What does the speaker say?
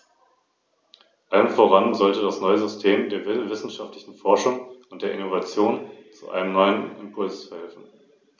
Deshalb möchte ich auf einige Probleme aufmerksam machen, denen sich die Kommission vorrangig widmen sollte.